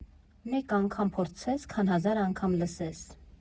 Մեկ անգամ փորձես, քան հազար անգամ լսես։